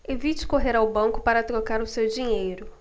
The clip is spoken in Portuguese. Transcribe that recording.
evite correr ao banco para trocar o seu dinheiro